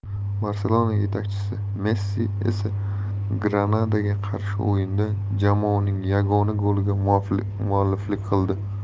barselona yetakchisi messi esa granada ga qarshi o'yinda jamoasining yagona goliga mualliflik qildi